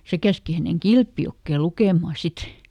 se käski hänen Kilpijokeen lukemaan sitten